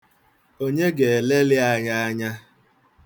Onye ga-elelị anyị anya?